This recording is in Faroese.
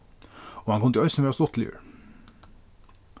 og hann kundi eisini vera stuttligur